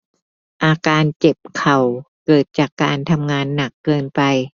อาการเจ็บเข่าเกิดจากการทำงานหนักเกินไป